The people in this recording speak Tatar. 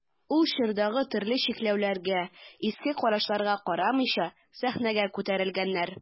Ул чордагы төрле чикләүләргә, иске карашларга карамыйча сәхнәгә күтәрелгәннәр.